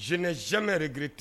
je n'ai jamais regretté